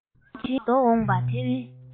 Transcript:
རང བཞིན གྱིས བརྡོལ འོང བ དེ ནི